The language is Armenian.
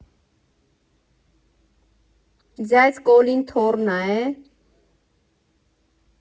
֊ Ձյաձ Կոլին թոռնա, էէ։